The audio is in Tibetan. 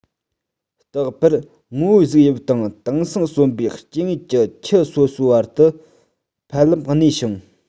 རྟག པར ངོ བོ གཟུགས དབྱིབས སྟེང དེང སང གསོན པའི སྐྱེ དངོས ཀྱི ཁྱུ སོ སོའི བར དུ ཕལ ལམ གནས ཤིང